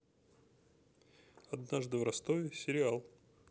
однажды в ростове сериал